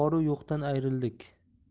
bor u yo'qdan ayrildik